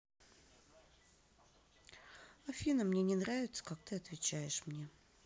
афина мне не нравится как ты отвечаешь мне